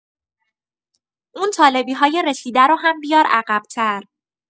اون طالبی‌های رسیده رو هم بیار عقب‌تر.